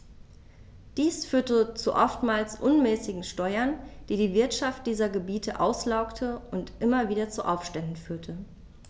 Dies führte zu oftmals unmäßigen Steuern, die die Wirtschaft dieser Gebiete auslaugte und immer wieder zu Aufständen führte.